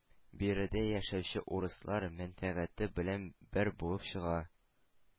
Биредә яшәүче урыслар мәнфәгате белән бер булып чыга.